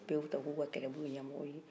u bɛɛ ye u ta k' u kɛ u ka kɛlɛbolo ɲɛmɔgɔw ye